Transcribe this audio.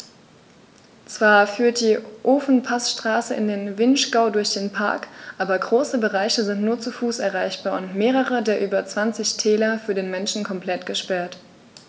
Zwar führt die Ofenpassstraße in den Vinschgau durch den Park, aber große Bereiche sind nur zu Fuß erreichbar und mehrere der über 20 Täler für den Menschen komplett gesperrt.